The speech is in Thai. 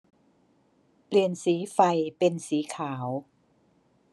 เปลี่ยนสีไฟเป็นสีขาว